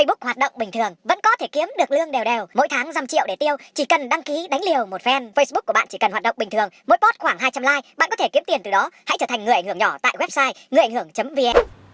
búc hoạt động bình thường vẫn có thể kiếm được lương đều đều mỗi tháng dăm triệu để tiêu chỉ cần đăng ký đánh liều một phen phây búc của bạn chỉ cần hoạt động bình thường mỗi pót khoảng hai trăm lai bạn có thể kiếm tiền từ đó hãy trở thành người ảnh hưởng nhỏ tại goét sai người ảnh hưởng nhỏ chấm vi en